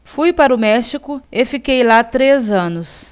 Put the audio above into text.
fui para o méxico e fiquei lá três anos